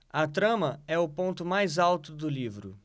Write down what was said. a trama é o ponto mais alto do livro